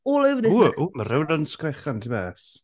All over this m-... Ww, mae rhywun yn sgrechian tu fas.